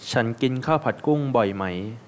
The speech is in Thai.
ฉันกินข้าวผัดกุ้งบ่อยไหม